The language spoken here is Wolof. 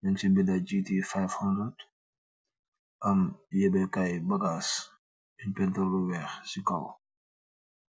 nung c benda gt500 am yebeh kai bagass painturr bu weex c kawawam.